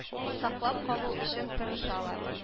Саклап калу өчен тырышалар